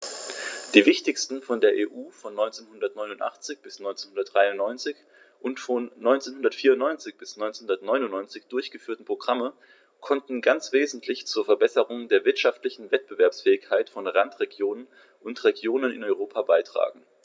Die wichtigsten von der EU von 1989 bis 1993 und von 1994 bis 1999 durchgeführten Programme konnten ganz wesentlich zur Verbesserung der wirtschaftlichen Wettbewerbsfähigkeit von Randregionen und Regionen in Europa beitragen.